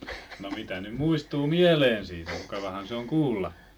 no mitä nyt muistuu mieleen siitä mukavahan se on kuulla